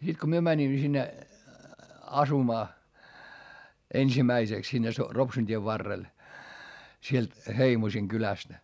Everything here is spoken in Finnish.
sitten kun me menimme sinne asumaan ensimmäiseksi sinne - Ropsun tien varrelle sieltä Heimosin kylästä